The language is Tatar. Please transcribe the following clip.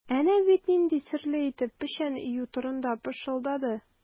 Әнә бит нинди серле итеп печән өю турында пышылдады.